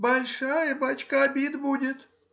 Большая, бачка, обида будет.